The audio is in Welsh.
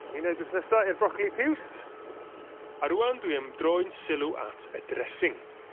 Rheina drws nesa i'r brocoli piws. A rŵan dwi am droi'n sylw at y dressing.